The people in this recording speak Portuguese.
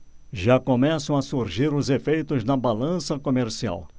já começam a surgir os efeitos na balança comercial